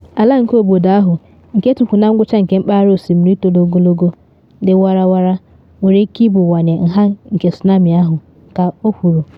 Ala nke obodo ahụ, nke tukwu na ngwụcha nke mpaghara osimiri toro ogologo, dị warawara, nwere ike ibuwanye nha nke tsunami ahụ, ka o kwuru.